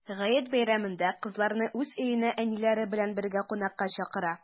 Гает бәйрәмендә кызларны уз өенә әниләре белән бергә кунакка чакыра.